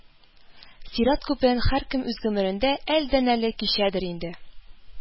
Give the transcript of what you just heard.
Сират күперен һәркем үз гомерендә әледән-әле кичәдер инде,